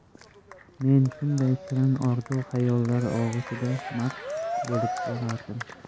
men shunday shirin orzu xayollar og'ushida mast bo'lib borardim